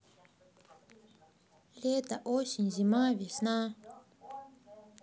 лето осень зима весна